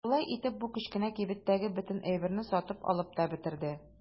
Шулай итеп бу кечкенә кибеттәге бөтен әйберне сатып алып та бетерде.